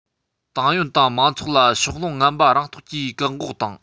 ཏང ཡོན དང མང ཚོགས ལ ཕྱོགས ལྷུང ངན པ རང རྟོགས ཀྱིས བཀག འགོག དང